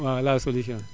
waaw la solution